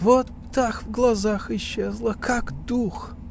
— Вот так в глазах исчезла, как дух!